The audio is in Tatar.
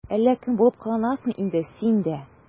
Әллә кем булып кыланасың инде син дә...